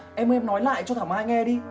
em ơi em nói lại cho thảo mai nghe đi